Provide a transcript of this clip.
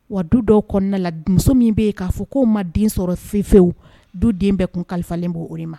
Wa du dɔw kɔnɔna la muso min bɛ yen k'a fɔ k ko ma den sɔrɔ fɛnfɛw du den bɛ kun kalifalen bɔ o ma